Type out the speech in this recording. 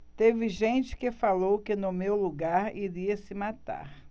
teve gente que falou que no meu lugar iria se matar